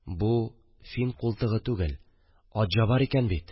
Бу – Фин култыгы түгел, Атҗабар икән бит